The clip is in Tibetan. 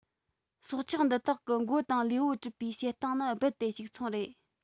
སྲོག ཆགས འདི དག གི མགོ དང ལུས པོ གྲུབ པའི བྱེད སྟངས ནི རྦད དེ གཅིག མཚུངས རེད